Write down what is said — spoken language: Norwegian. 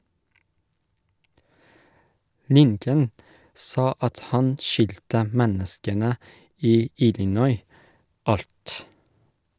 - Lincoln sa at han skyldte menneskene i Illinois alt.